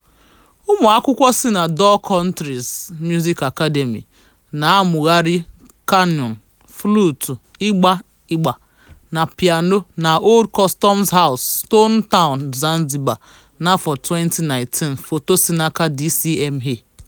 Ụmụakwụkwọ si na Dhow Countries Music Academy (DCMA) na-amụgharị qanun, fluutu, ịgba na pịano na Old Customs House, Stone Town, Zanzibar, 2019. Foto si n'aka DCMA.